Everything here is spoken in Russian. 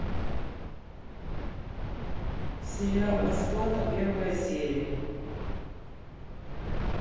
сериал расплата первая серия